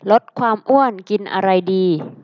ลดความอ้วนกินอะไรดี